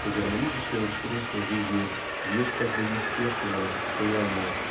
что гармоническое устройство жизни есть как бы естественное состояние